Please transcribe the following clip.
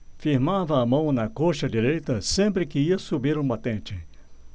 firmava a mão na coxa direita sempre que ia subir um batente